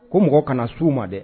Ko mɔgɔ kana s'u ma dɛ